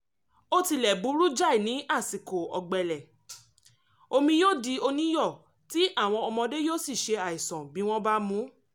Ó tilẹ̀ burú jáì ní àsìkò ọ̀gbẹlẹ̀; omi yóò di oníyọ̀, tí àwọn ọmọdé yóò sì ṣe àìsàn bí wọ́n bá mu ú."